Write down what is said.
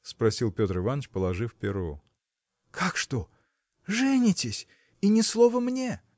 – спросил Петр Иваныч, положив перо. – Как что? женитесь – и ни слова мне!